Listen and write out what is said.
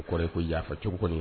Kɔrɔ ye ko i y'a fɛ cogo kɔni